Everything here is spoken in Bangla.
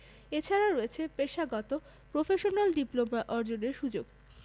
এছাড়া রয়েছে পেশাগত প্রফেশনাল ডিপ্লোমা অর্জনের সুযোগ